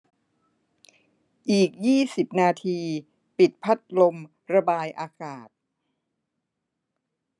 อีกยี่สิบนาทีปิดพัดลมระบายอากาศ